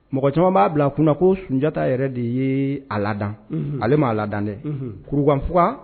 Mɔgɔ caman b'a bila a kunna na ko sunjatajatata yɛrɛ de ye a lad ale ma a lad dɛ kurukanfug